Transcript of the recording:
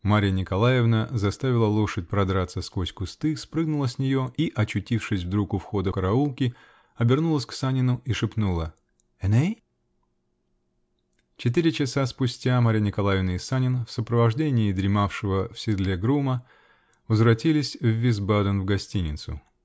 Марья Николаевна заставила лошадь продраться сквозь кусты, спрыгнула с нее -- и, очутившись вдруг у входа караулки, обернулась к Санину и шепнула: "Эней?" Четыре часа спустя Марья Николаевна и Санин, в сопровождении дремавшего на седле грума, возвратились в Висбаден, в гостиницу.